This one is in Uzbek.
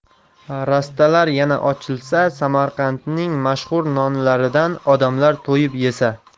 rastalar yana ochilsa samarqandning mashhur nonlaridan odamlar to'yib yesa